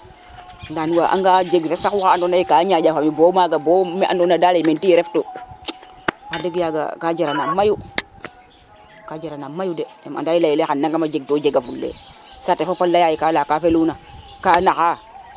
nda waag anga jeg sax wa ando naye ka ñaƴa fo mi bo maga bo me ando naye dal me tiye ref tu wax deg yaga ka jara naam mayu ka jara nam mayu de yam ande xay nangama jeg to jega fule saate fop a leya ye ka leya ka feluna ka naxa